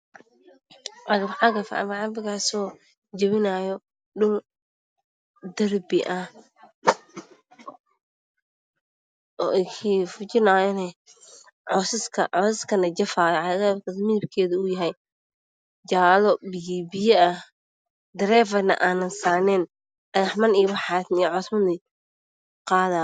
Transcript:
Cagaf cagaf jabinaayo dhul darbi ah oo fujinaayo cows kana